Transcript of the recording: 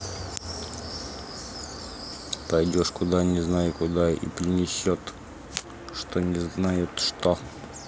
пойдешь куда не знаю куда и принесет что они знают что